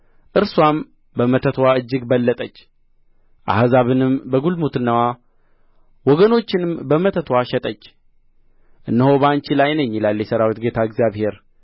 እርስዋም በመተትዋ እጅግ በለጠች አሕዛብንም በግልሙትናዋ ወገኖችንም በመተትዋ ሸጠች እነሆ በአንቺ ላይ ነኝ ይላል የሠራዊት ጌታ እግዚአብሔር